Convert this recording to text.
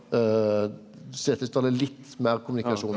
Setesdal er litt meir kommunikasjon.